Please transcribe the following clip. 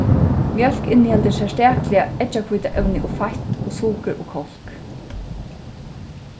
mjólk inniheldur serstakliga eggjahvítaevni og feitt og sukur og kálk